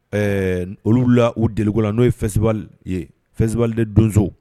Ɛɛ olu la u deliko la n'o ye fɛ fɛselen donso